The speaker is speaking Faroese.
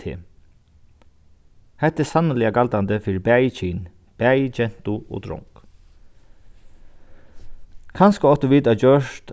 teg hetta er sanniliga galdandi fyri bæði kyn bæði gentu og drong kanska áttu vit at gjørt